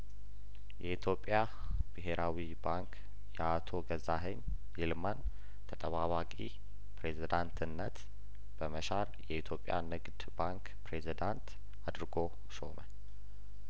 የኢትዮጵያ ብሄራዊ ባንክ የአቶ ገዛኸኝ ይልማን ተጠባባቂ ፕሬዝዳንትነት በመሻር የኢትዮጵያ ንግድ ባንክ ፕሬዝዳንት አድርጐ ሾመ